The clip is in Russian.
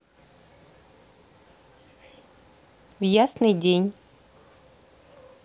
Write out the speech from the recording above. в ясный день